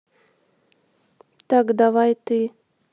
так давай ты